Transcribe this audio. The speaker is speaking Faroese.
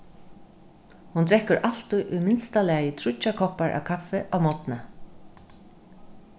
hon drekkur altíð í minsta lagi tríggjar koppar av kaffi á morgni